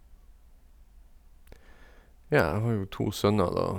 Ja, jeg har jo to sønner, da.